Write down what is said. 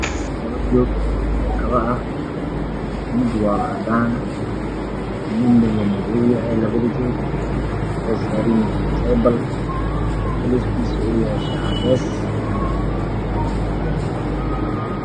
Waa laba joog oo kabo ah mid waa cadaan, midna waa madow waxay saaran yihiin miis oo shaax cadeys ah.